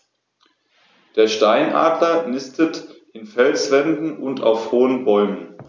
Der Steinadler nistet in Felswänden und auf hohen Bäumen.